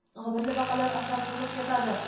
Гөберле бакалар анда тулып ятадыр